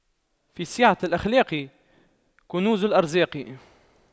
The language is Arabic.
في سعة الأخلاق كنوز الأرزاق